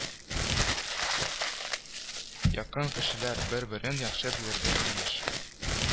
– якын кешеләр бер-берен яхшы белергә тиеш